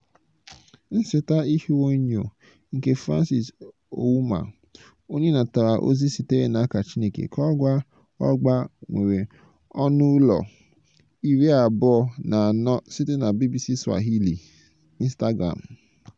Nsetaihuenyo nke Francis Ouma, onye natara ozi sitere n'aka Chineke ka ọ gwuo ọgba nwere ọnụ ụlọ iri abụọ na anọ site na BBC Swahili / Instagram.